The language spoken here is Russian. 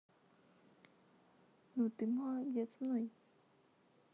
ну ты молодец мной